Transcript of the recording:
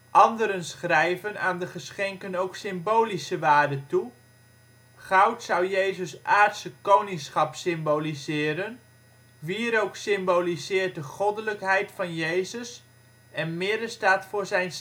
Anderen schrijven aan de geschenken ook symbolische waarde toe: goud zou Jezus ' aardse koningschap symboliseren; wierook symboliseert de goddelijkheid van Jezus en mirre staat voor zijn